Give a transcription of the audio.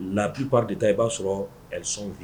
Labi pa de ta i b'a sɔrɔ sɔn ye